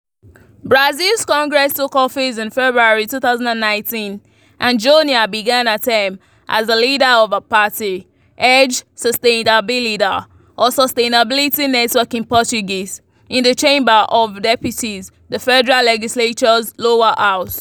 Brazil's Congress took office in February 2019 and Joênia began her term as the leader of her party, Rede Sustentabilidade (or Sustainability Network in Portuguese), in the Chamber of Deputies, the federal legislature's lower house.